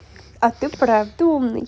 ты правда умный